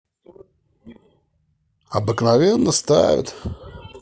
обыкновенно ставят